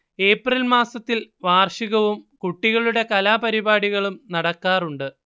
April മാസത്തിൽ വാർഷികവും കുട്ടികളുടെ കലാപരിപാടികളും നടക്കാറുണ്ട്